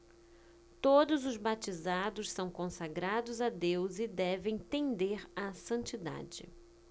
todos os batizados são consagrados a deus e devem tender à santidade